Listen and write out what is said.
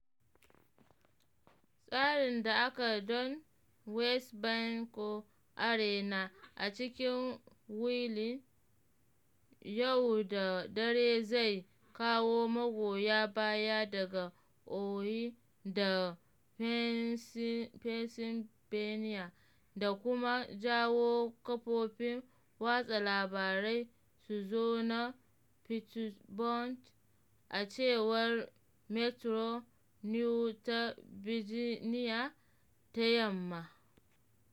Tsarin da aka don Wesbanco Arena a cikin Wheeling, yau da dare zai kawo magoya baya daga "Ohio da Pennsylvania da kuma jawo kafofin watsa labarai su zo na Pittsburgh," a cewar Metro News ta Virginia ta Yamma.